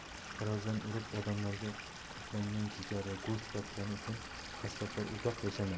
tarozidan urib odamlarga qurtlagan jigar va go'sht sotgani uchun qassoblar uzoq yashamaydi